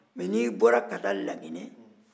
mɛ n'i bɔra ka taa laginɛ